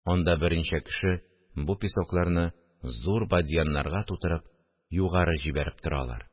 Анда берничә кеше бу песокларны зур бадьяннарга тутырып, югары җибәреп торалар